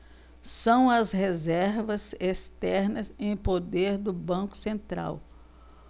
são as reservas externas em poder do banco central